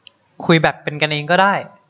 คุยแบบเป็นกันเองก็ได้